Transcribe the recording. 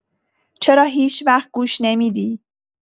چرا هیچ‌وقت گوش نمی‌دی؟